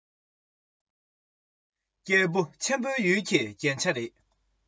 རྒྱ སྨྱུག སེར པོའི བློ ཁ རྫོགས སོང ངོ